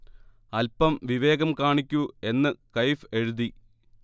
'അൽപം വിവേകം കാണിക്കൂ' എന്ന് കയ്ഫ് എഴുതി